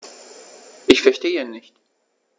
Ich verstehe nicht.